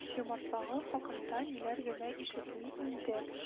Юмартлыгы хакында ниләр генә ишетми инде